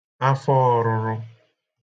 afọọ̄rụ̄rụ̄